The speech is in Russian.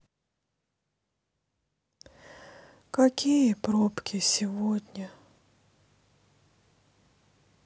какие пробки сегодня